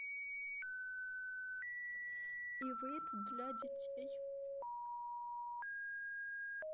иврит для детей